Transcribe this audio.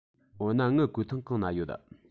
འོ ན ངའི གོས ཐུང གང ན ཡོད